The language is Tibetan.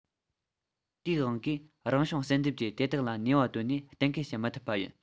དེའི དབང གིས རང བྱུང བསལ འདེམས ཀྱིས དེ དག ལ ནུས པ བཏོན ནས གཏན འཁེལ བྱེད མི ཐུབ པ ཡིན